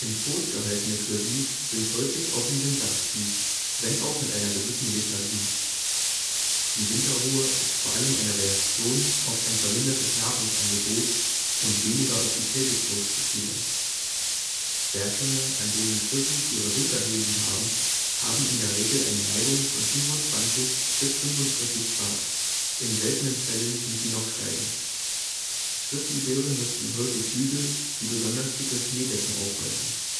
Zoos gehaltene Grizzlys sind häufig auch im Winter aktiv, wenn auch mit einer gewissen Lethargie. Die Winterruhe ist vor allem auf eine Reaktion auf ein vermindertes Nahrungsangebot und weniger auf die Kälte zurückzuführen. Berghänge, an denen Grizzlys ihre Winterhöhlen haben, haben in der Regel eine Neigung von 25 bis 45 Grad. In seltenen Fällen sind sie noch steiler. Grizzlybären nutzen häufig Hügel, die besonders dicke Schneedecken aufweisen